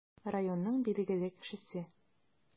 Районның билгеле кешесе.